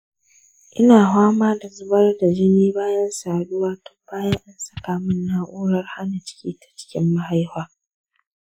ina fama da zubar da jini bayan saduwa tun bayan an saka min na’urar hana ciki ta cikin mahaifa.